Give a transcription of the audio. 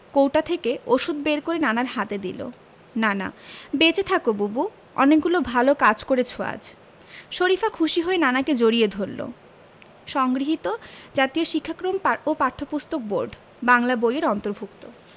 কৌটা থেকে ওষুধ বের করে নানার হাতে দিল নানা বেঁচে থাকো বুবু অনেকগুলো ভালো কাজ করেছ আজ শরিফা খুশি হয়ে নানাকে জড়িয়ে ধরল সংগৃহীত জাতীয় শিক্ষাক্রম ও পাঠ্যপুস্তক বোর্ড বাংলা বই এর অন্তর্ভুক্ত